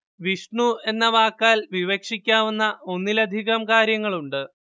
വിഷ്ണു എന്ന വാക്കാൽ വിവക്ഷിക്കാവുന്ന ഒന്നിലധികം കാര്യങ്ങളുണ്ട്